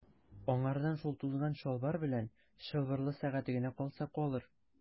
Аңардан шул тузган чалбар белән чылбырлы сәгате генә калса калыр.